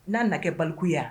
N'a na kɛ balikuya